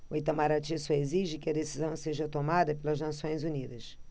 o itamaraty só exige que a decisão seja tomada pelas nações unidas